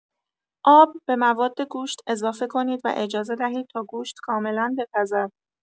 آب به مواد گوشت اضافه کنید و اجازه دهید تا گوشت کاملا بپزد.